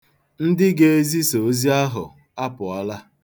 Ndị ga-ezisa ozi ahụ apụọla.